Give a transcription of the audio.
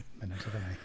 Mae'n edrych arna i.